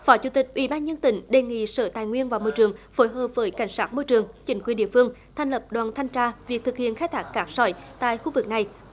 phó chủ tịch ủy ban nhân tỉnh đề nghị sở tài nguyên và môi trường phối hợp với cảnh sát môi trường chính quyền địa phương thành lập đoàn thanh tra việc thực hiện khai thác cát sỏi tại khu vực này